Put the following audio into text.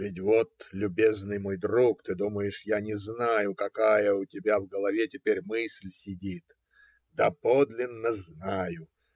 Ведь вот, любезный мой друг, ты думаешь, я не знаю, какая у тебя в голове теперь мысль сидит? Доподлинно знаю.